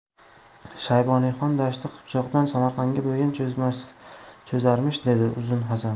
shayboniyxon dashti qipchoqdan samarqandga bo'yin cho'zarmish dedi uzun hasan